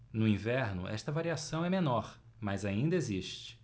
no inverno esta variação é menor mas ainda existe